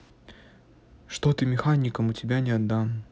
что ты механиком у тебя не отдам